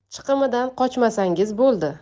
chiqimidan qochmasangiz bo'ldi